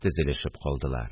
Тезелешеп калдылар